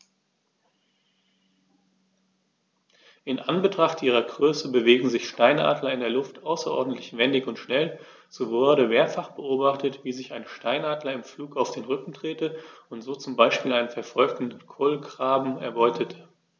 In Anbetracht ihrer Größe bewegen sich Steinadler in der Luft außerordentlich wendig und schnell, so wurde mehrfach beobachtet, wie sich ein Steinadler im Flug auf den Rücken drehte und so zum Beispiel einen verfolgenden Kolkraben erbeutete.